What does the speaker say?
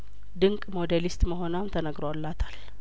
ድንቅ ሞዴሊስት መሆኗም ተነግሮ ላታል